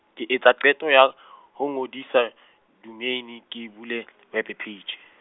ke etsa qeto ya , ho ngodisa , domeine, ke bule , web page.